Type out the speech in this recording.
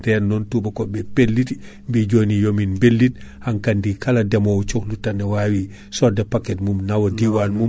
nden non tobakoɓe pelliti bi joni yomin bellit hankkandi kala deemowo cohluɗo tan ne wawi sodde paquet mum diwan mum